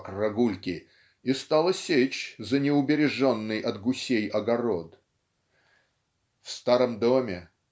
как рогульки" и стала сечь за неубереженный от гусей огород. В старом доме